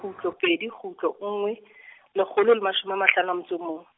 kgutlo pedi kgutlo nngwe , lekgolo le mashome a mahlano a motso o mong.